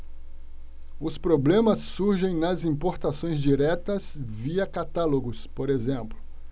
os problemas surgem nas importações diretas via catálogos por exemplo